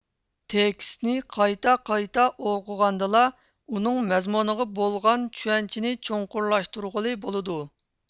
تېكىستنى قايتا قايتا ئوقۇغاندىلا ئۇنىڭ مەزمۇنىغا بولغان چۈشەنچىنى چوڭقۇرلاشتۇرغىلى بولىدۇ